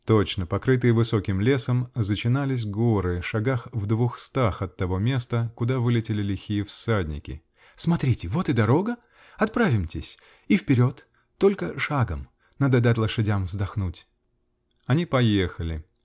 Точно: покрытые высоким лесом, зачинались горы шагах в двухстах от того места, куда вылетели лихие всадники. -- Смотрите: вот и дорога. Оправимтесь -- и вперед. Только шагом. Надо дать лошадям вздохнуть. Они поехали.